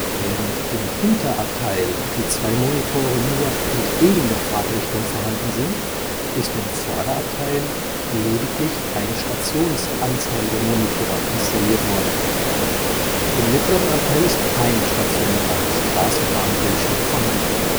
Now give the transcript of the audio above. Während im Hinterabteil die zwei Monitore nur entgegen der Fahrtrichtung vorhanden sind, ist im Vorderabteil lediglich ein Stationsanzeigemonitor installiert worden; im mittleren Abteil ist kein stationärer Straßenbahnbildschirm vorhanden